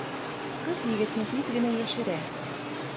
Кыз егетне тиз генә яшерә.